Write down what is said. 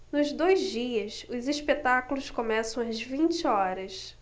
nos dois dias os espetáculos começam às vinte horas